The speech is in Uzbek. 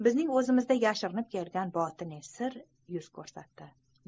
bizning o'zimizda yashirinib kelgan botiniy sir yuz ko'rsatdi